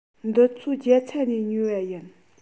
འདི ཚོ རྒྱ ཚ ནས ཉོས པ ཡིན